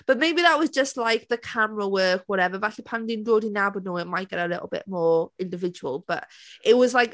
But maybe that was just like the camera work, whatever. Falle pan ni'n dod i nabod nhw, it might get a little bit more, individual, but it was like...